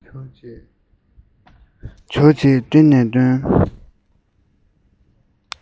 ཇོ བོ རྫེས གཏེར ནས བཏོན